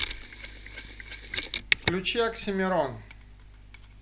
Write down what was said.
включи оксимирон